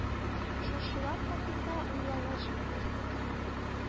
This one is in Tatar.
Шушылар хакында уйлагач, күңел сыкрый